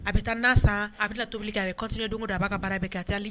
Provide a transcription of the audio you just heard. A bɛ taa n sa a bɛ tobili k' a ye cotite don a'a bara bɛɛ kɛ